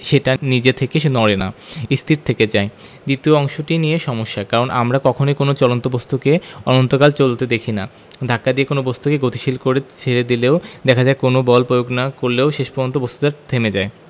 সেটা নিজে থেকে নড়ে না স্থির থেকে যায় দ্বিতীয় অংশটি নিয়ে সমস্যা কারণ আমরা কখনোই কোনো চলন্ত বস্তুকে অনন্তকাল চলতে দেখি না ধাক্কা দিয়ে কোনো বস্তুকে গতিশীল করে ছেড়ে দিলেও দেখা যায় কোনো বল প্রয়োগ না করলেও শেষ পর্যন্ত বস্তুটা থেমে যায়